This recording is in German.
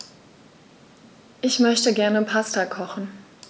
Ich möchte gerne Pasta kochen.